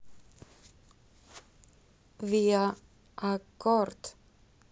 виа аккорд